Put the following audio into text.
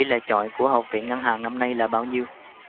lệ chọi của học viện ngân hàng năm nay là bao nhiêu